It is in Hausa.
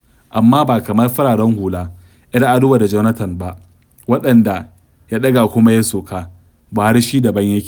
Amma ba kamar fararen hula - 'Yar'aduwa da Jonathan - ba, waɗanda ya ɗaga kuma ya soka, Buhari shi daban yake.